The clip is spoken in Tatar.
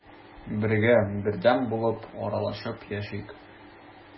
Бергә, бердәм булып аралашып яшик.